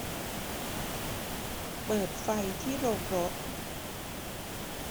เปิดไฟที่โรงรถ